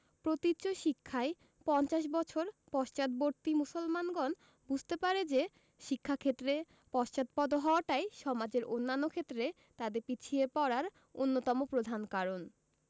প্রতীচ্য শিক্ষায় পঞ্চাশ বছর পশ্চাদ্বর্তী মুসলমানগণ বুঝতে পারে যে শিক্ষাক্ষেত্রে পশ্চাৎপদ হওয়াটাই সমাজের অন্যান্য ক্ষেত্রে তাদের পিছিয়ে পড়ার অন্যতম প্রধান কারণ